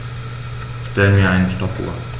Stell mir eine Stoppuhr.